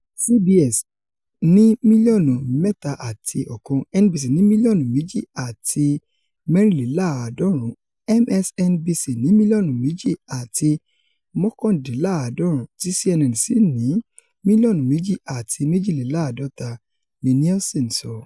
CBS ní mílíọ̀nù 3.1, NBC ní mílíọ̀nù 2.94, MSNBC ní mílíọ̀nù 2.89 tí CNN sì ní mílíọ̀nù 2.52, ni Nielsen sọ.